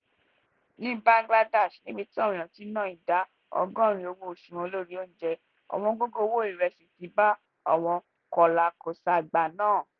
Ní Bangladesh, níbi tí àwọn èèyàn ti ń ná ìdá 80% owó oṣù wọn lórí oúnjẹ, ọ̀wọ́ngógó owó ìrẹsì ti ba àwọn kòlà-kòsagbe náà.